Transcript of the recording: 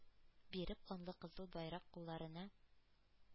Биреп канлы кызыл байрак кулларына,